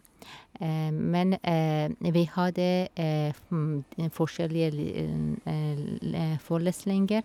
Men vi hadde f en forskjellige li le forelesninger.